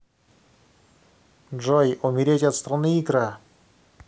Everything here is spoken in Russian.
джой умереть от страны икра